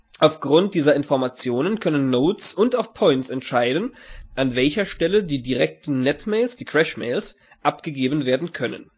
Aufgrund dieser Informationen können Nodes und auch Points entscheiden, an welcher Stelle die direkten Netmails, die Crashmails, abgegeben werden können